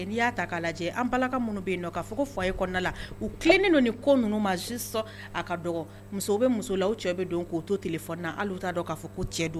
N'i y'a ta k'a lajɛ an bala ka minnu bɛ yen k'a fɔ fɔ a ye kɔnɔna la u tilennen don kɔ ninnu ma sisan sɔn a ka dɔgɔ musow bɛ musola cɛ bɛ don k'o to tile fɔ nna hali bɛ'a dɔn k'a fɔ ko cɛ don